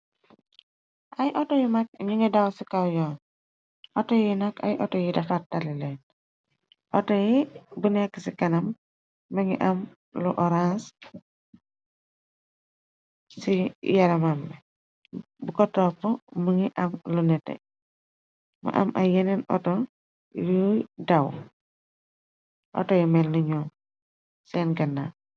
Ay auto yu mag, ñu ngi daw ci kaw yoon, outo yi nak ay auto yi dafaar talileet, outo yi bu nekk ci kanam, ma ngi am lu orans ci yara mamme bu, ko topf mu ngi ak lu nete, mu am ay yeneen auto u awouto yu melni ñoo seen ganna.